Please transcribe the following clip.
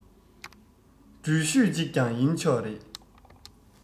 འགྲུལ བཞུད ཅིག ཀྱང ཡིན ཆོག རེད དེ